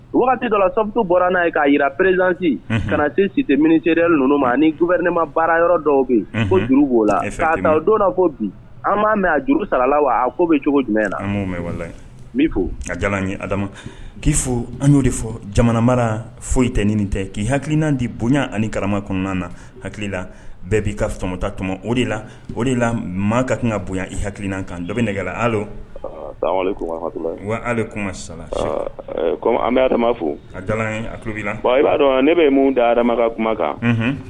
Waati dɔ sabutu bɔra n'a ye k'a jirara preerezsi ka te si tɛ miniri n ma ani ne ma baara yɔrɔ dɔw bɛ juru b' don ko bi an b'a mɛ a juru sara la wa ko bɛ cogo jumɛn la an' mɛn n ka adama k'i fo an'o de fɔ jamana marara foyi tɛ ni tɛ k'i hakilikiina di bonya ani karama kɔnɔna na hakilila bɛɛ bii kamɔtatomɔ o de la o de la ma ka kan ka bonya i hakilikiina kan dɔ bɛ nɛgɛla kuma sa an bɛ adama fo a abi dɔn ne bɛ mun da adama kumakan